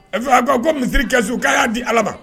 A bɛ fɔ ko ko misiri kɛsu a y'a di allah ma